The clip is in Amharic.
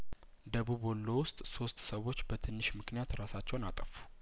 ደቡብ ወሎ ውስጥ ሶስት ሰዎች በትንሽ ምክንያት ራሳቸውን አጠፉ